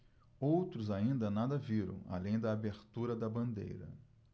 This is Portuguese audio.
outros ainda nada viram além da abertura da bandeira